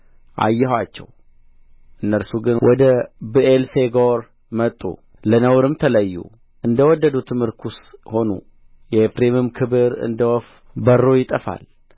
አየኋቸው እነርሱ ግን ወደ ብዔልፌጎር መጡ ለነውርም ተለዩ እንደ ወደዱትም ርኩስ ሆኑ የኤፍሬምም ክብር እንደ ወፍ በርሮ ይጠፋል